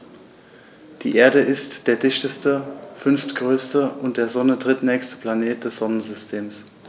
Die Erde ist der dichteste, fünftgrößte und der Sonne drittnächste Planet des Sonnensystems.